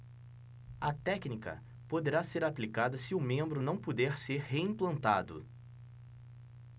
a técnica poderá ser aplicada se o membro não puder ser reimplantado